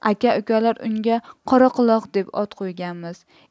aka ukalar unga qoraquloq deb ot qo'yganmiz